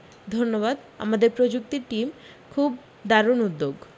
ধন্যবাদ আমাদের প্রযুক্তি টিম খুব দারুণ উদ্দ্যোগ